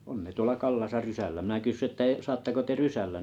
on ne tuolla rysällä minä kysyin että - saatteko te rysällä